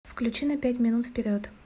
включи на пять минут вперед